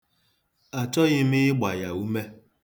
Achọghị m ịgba ya ume.